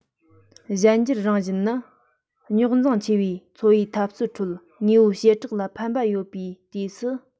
གཞན འགྱུར རང བཞིན ནི རྙོག འཛིང ཆེ བའི འཚོ བའི འཐབ རྩོད ཁྲོད དངོས པོའི བྱེ བྲག ལ ཕན པ ཡོད པའི དུས སུ